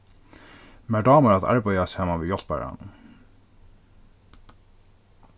mær dámar at arbeiða saman við hjálparanum